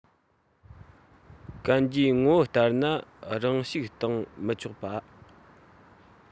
གན རྒྱའི ངོ བོ ལྟར ན ནང བཤུག བཏང མི ཆོག པ